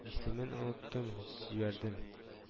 Исемен оныттым җибәрдем…